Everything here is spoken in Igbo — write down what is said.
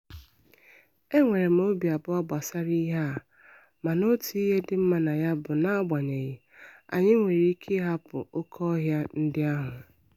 Enwere m obi abụọ gbasara ihe a, mana otu ihe dị mma na ya bụ n'agbanyeghị, anyị nwere ike ị hapụ okéọhịa ndị ahụ.